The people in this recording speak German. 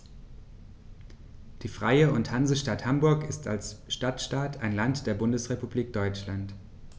Die Freie und Hansestadt Hamburg ist als Stadtstaat ein Land der Bundesrepublik Deutschland.